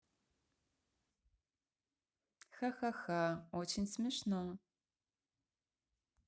ха ха ха очень смешно